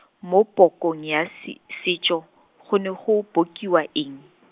mo pokong ya se- setso, go ne go bokiwa eng?